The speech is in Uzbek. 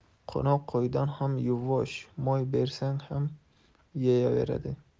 qo'noq qo'ydan ham yuvvosh moy bersang ham yeyaveradi